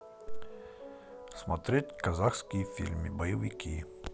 смотреть казахские фильмы боевики